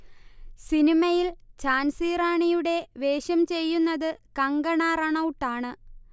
സിനിമയിൽ ഝാൻസി റാണിയുടെ വേഷം ചെയ്യുന്നത് കങ്കണ റണൗട്ടാണ്